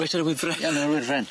Reit ar y wifren. Ie yn y wifren.